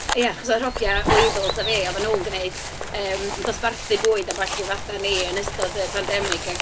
Ia, achos oedd yr hogia Wavells a fi, oedden nhw'n gwneud yym dosbarthu bwyd a ballu fatha ni yn ystod y pandemig. A...